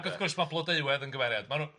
Ag wrth gwrs ma' Blodeuwedd yn gymeriad, ma' nw